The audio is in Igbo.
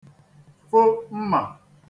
fo mmà